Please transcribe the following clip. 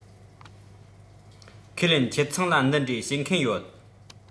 ཁས ལེན ཁྱེད ཚང ལ འདི འདྲའི བྱེད མཁན ཡོད